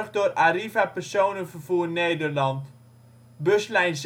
door Arriva Personenvervoer Nederland. Buslijn